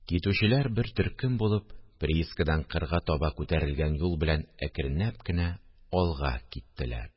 Китүчеләр, бер төркем булып, приискадан кырга таба күтәрелгән юл белән әкренләп кенә алга киттеләр